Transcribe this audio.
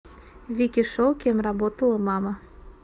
вики шоу кем работала мама